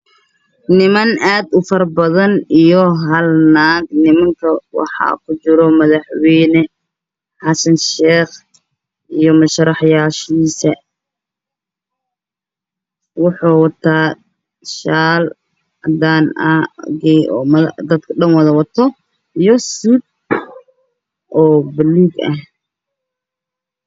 Niman ad u fara badan iyo hal nag nimanka waxa ku jira madax wene xassan sheeq iyo musharax yashisa wuxu wata shal cadan ah oo dadka dhan wada wato iyo sud oo bulug ah